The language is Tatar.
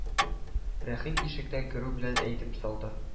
Рәхим ишектән керү белән әйтеп салды: